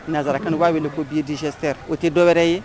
Nanzsara kan b'a wele de ko bidisete o tɛ dɔwɛrɛ ye